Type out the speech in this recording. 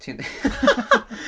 Ti'n ...